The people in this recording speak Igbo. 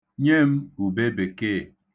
Nye m ubebekee.